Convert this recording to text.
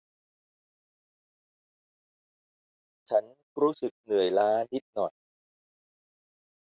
ฉันรู้สึกเหนื่อยล้านิดหน่อย